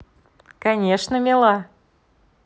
конечно мила